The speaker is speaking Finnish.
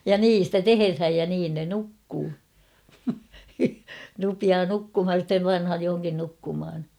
ja niin sitä tehdään ja niin ne nukkuu rupeaa nukkumaan ja sitten pannaan johonkin nukkumaan